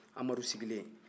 amadu sigilen